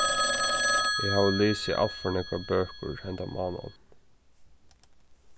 eg havi lisið alt for nógvar bøkur hendan mánaðin